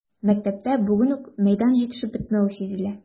Мәктәптә бүген үк мәйдан җитешеп бетмәве сизелә.